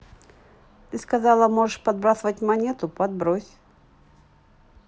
ты сказала можешь подбрасывать монетку подбрось